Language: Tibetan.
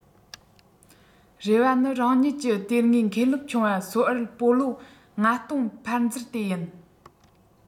རེ བ ནི རང ཉིད ཀྱིས དེ སྔའི མཁན སློབ ཆུང བ བསོད འར སྤོ ལོ ༥༠༠༠ ཕར འཛུལ དེ ཡིན